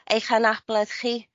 eich hanabledd chi